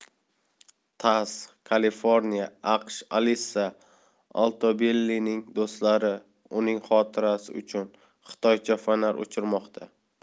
tass kaliforniya aqshalissa altobellining do'stlari uning xotirasi uchun xitoycha fonar uchirmoqda